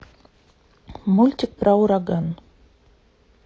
мультик про ураган